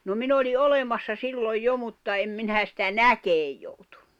no minä olin olemassa silloin jo mutta en minä sitä näkemään joutunut